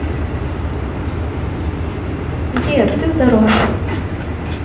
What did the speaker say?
сбер ты здоров